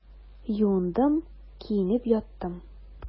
Юындым, киенеп яттым.